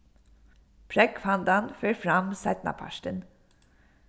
prógvhandan fer fram seinnapartin